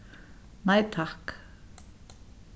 nei takk